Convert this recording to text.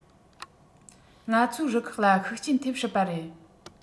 ང ཚོའི རུ ཁག ལ ཤུགས རྐྱེན ཐེབས སྲིད པ རེད